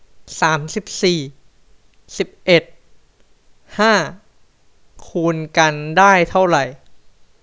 สามสิบสี่สิบเอ็ดห้าคูณกันได้เท่าไหร่